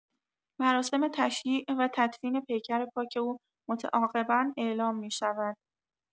مراسم تشییع و تدفین پیکر پاک او متعاقبا اعلام می‌شود.